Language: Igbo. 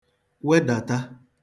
wedàta